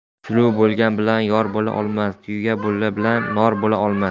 suluv bo'lgan bilan yor bo'la olmas tuya bo'lgan bilan nor bo'la olmas